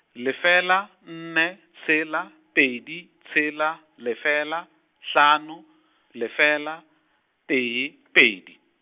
lefela, nne, tshela, pedi, tshela, lefela, hlano, lefela, tee , pedi.